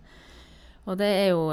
Og det er jo...